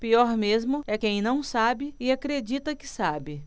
pior mesmo é quem não sabe e acredita que sabe